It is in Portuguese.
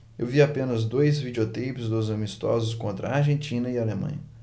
eu vi apenas dois videoteipes dos amistosos contra argentina e alemanha